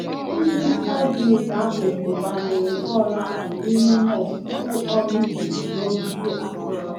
Onye ihu Sky Blues ahụ kụbanyere bọọlụ ahụ n’ime net tupu ọ mịpụ n’ogige atọrọ.